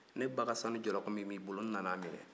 ne ba ka sanu jɔlɔkɔ min bɛ i bolo n nana a minɛ